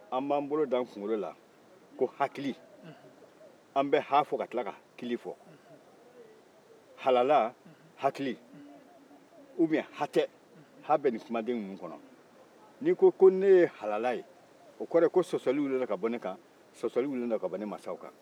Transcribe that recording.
an b'an bolo da an kunkolo la ko hakili an bɛ ha fɔ ka tila ka kili fɔ halala hakili walima hatɛ ha bɛ nin kumaden ninnu kɔnɔ n'i ko ko ne ye halala ye o kɔrɔ ko sɔsɔli wulilen don ka bɔ ne kan sɔsɔli wulila ka bɔ ne mansaw kan